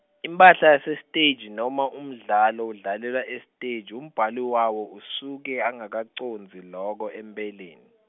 imphahla yasesiteji, noma umdlalo udlalelwa esiteji, umbhali wawo usuke, angakacondzi loko empeleni.